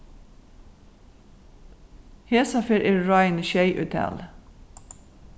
hesa ferð eru ráðini sjey í tali